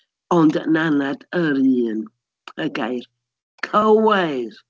Ond yn anad yr un, y gair cywair.